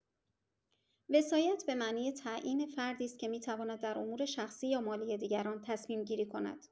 وصایت به معنای تعیین فردی است که می‌تواند در امور شخصی یا مالی دیگران تصمیم‌گیری کند.